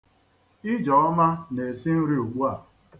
Ijeoma na-esi nri ugbua.